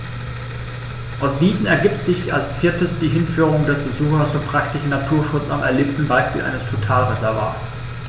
Aus diesen ergibt sich als viertes die Hinführung des Besuchers zum praktischen Naturschutz am erlebten Beispiel eines Totalreservats.